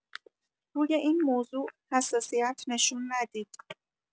روی این موضوع حساسیت نشون ندید.